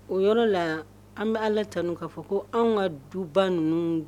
O yɔrɔ la yan an bɛ ala tan k'a fɔ ko an ka duba ninnu